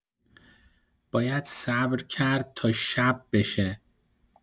باید صبر کرد تا شب بشه.